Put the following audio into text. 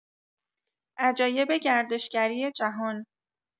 عجایب گردشگری جهان